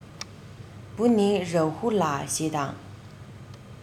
བུ ནི རཱ ཧུ ལ ཞེས དང